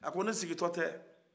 a ko ne sigitɔ tɛ